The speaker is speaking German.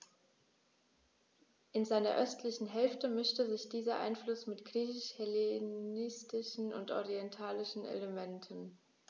In seiner östlichen Hälfte mischte sich dieser Einfluss mit griechisch-hellenistischen und orientalischen Elementen.